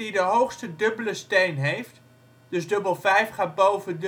de hoogste dubbele steen heeft (dus dubbel 5 gaat boven